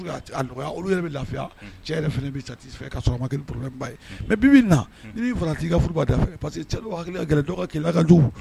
Mɛ la jugu